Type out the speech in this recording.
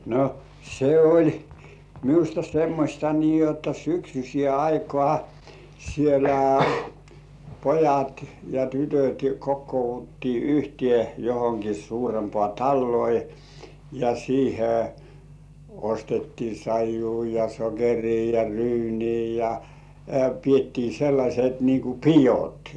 no se oli minusta semmoista niin jotta syksyiseen aikaan siellä pojat ja tytöt kokoonnuttiin yhteen johonkin suurempaan taloihin ja siihen ostettiin saijua ja sokeria ja ryyniä ja pidettiin sellaiset niin kuin pidot